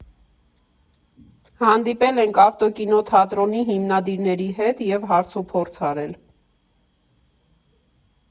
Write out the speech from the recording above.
Հանդիպել ենք ավտոկինոթատրոնի հիմնադիրների հետ և հարցուփորձ արել։